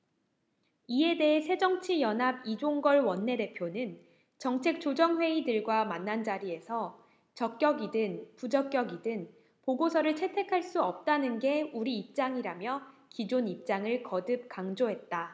이에 대해 새정치연합 이종걸 원내대표는 정책조정회의 들과 만난 자리에서 적격이든 부적격이든 보고서를 채택할 수 없다는 게 우리 입장이라며 기존 입장을 거듭 강조했다